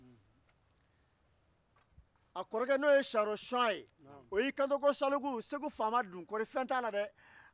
a kɔrɔkɛ siyanro shɔn ko kɔni fɛn tɛ faama na dɛ